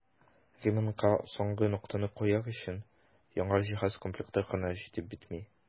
Ремонтка соңгы ноктаны куяр өчен яңа җиһаз комплекты гына җитеп бетми.